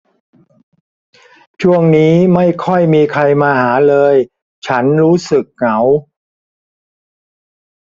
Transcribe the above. ช่วงนี้ไม่ค่อยมีใครมาหาเลยฉันรู้สึกเหงา